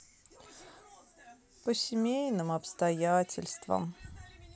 по семейным обстоятельствам